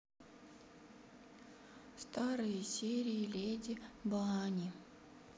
старые серии леди банни